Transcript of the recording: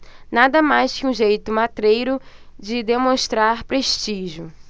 nada mais que um jeito matreiro de demonstrar prestígio